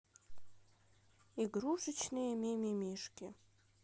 игрушечные мимимишки